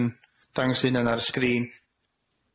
dangos 'u hunan ar y sgrîn